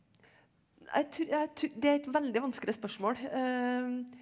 nei jeg jeg det er et veldig vanskelig spørsmål .